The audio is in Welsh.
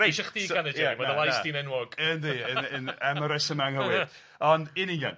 Reit....Isio chdi ganu Jerry, ma' dy lais di'n enwog... Yndi am y resyma anghywir, ond yn union.